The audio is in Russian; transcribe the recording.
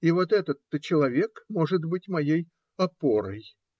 И вот этот-то человек может быть моей "опорой".